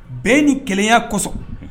Bɛɛ ni kɛlɛya kosɔn